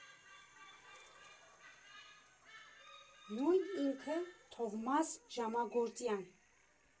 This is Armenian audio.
Նույն ինքը՝ Թովմաս Ժամագործյան։